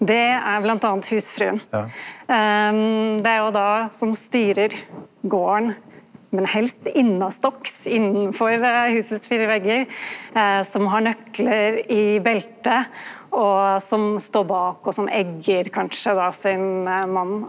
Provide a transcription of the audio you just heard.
det er bl.a. husfrua det er jo då som styrer garden men helst innandørs innanfor husets fire vegger som har nøklar i beltet og som står bak og som eggar kanskje då sin mann.